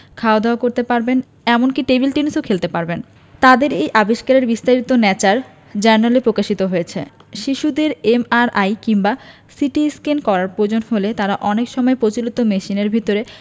খাওয়া দাওয়া করতে পারবেন এমনকি টেবিল টেনিসও খেলতে পারবেন তাদের এই আবিষ্কারের বিস্তারিত ন্যাচার জার্নালে প্রকাশিত হয়েছে শিশুদের এমআরআই কিংবা সিটিস্ক্যান করার প্রয়োজন হলে তারা অনেক সময় প্রচলিত মেশিনের ভেতর